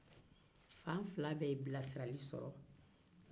fan fila bɛɛ ye bilasirali sɔrɔ